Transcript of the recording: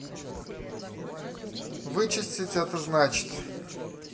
вычистить это значит